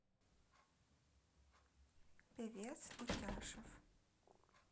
певец утяшев